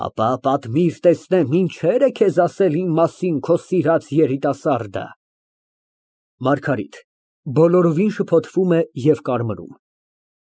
Հապա, պատմիր, տեսնեմ, ինչեր է ասել քեզ իմ մասին քո սիրած երիտասարդը… ՄԱՐԳԱՐԻՏ ֊ (Բոլորովին շփոթվում է ու կարմրում)։